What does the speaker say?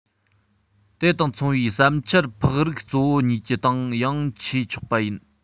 དེ དང མཚུངས པའི བསམ འཆར ཕག རིགས གཙོ བོ གཉིས ཀྱི སྟེང ཡང མཆེད ཆོག པ ཡིན